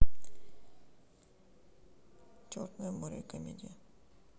черное море комедия